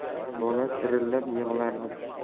bola chirillab yig'lardi